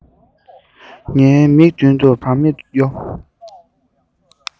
ངའི མིག མདུན དུ བར མེད གཡོ